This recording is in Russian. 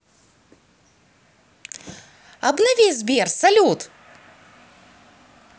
обнови сбер салют